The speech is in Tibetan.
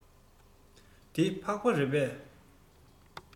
འདི ཕག པ རེད པས